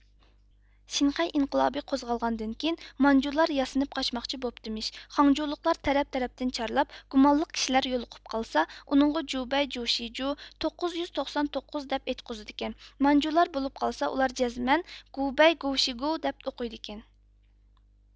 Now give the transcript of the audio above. شىنخەي ئىنقىلابى قوزغالغاندىن كېيىن مانجۇلار ياسىنىپ قاچماقچى بوپتىمىش خاڭجۇلۇقلار تەرەپ تەرەپتىن چارلاپ گۇمانلىق كىشىلەر يولۇقۇپ قالسا ئۇنىڭغا جۇبەي جۇشىجۇ توققۇز يۈز توقسان توققۇز دەپ ئېيتقۇزىدىكەن مانجۇلار بولۇپ قالسا ئۇلار جەزمەن گۇۋبەي گۇۋ شىگۇۋ دەپ ئوقۇيدىكەن